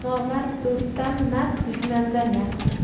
nomard do'stdan mard dushman yaxshi